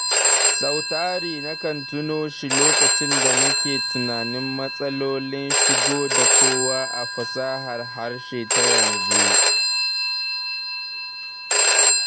Sautari nakan tuno shi lokacin da nake tunanin mas'alolin shigo da kowa a fasahar harshe ta yanzu.